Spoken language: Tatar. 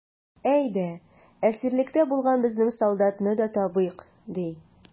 Әйдә, әсирлектә булган безнең солдатны да табыйк, ди.